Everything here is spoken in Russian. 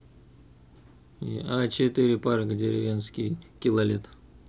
а четыре парк деревенский килолет